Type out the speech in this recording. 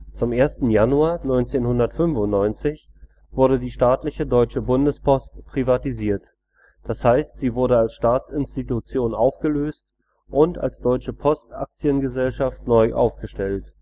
Zum 1. Januar 1995 wurde die staatliche Deutsche Bundespost privatisiert, das heißt sie wurde als Staatsinstitution aufgelöst und als „ Deutsche Post Aktiengesellschaft “neu aufgestellt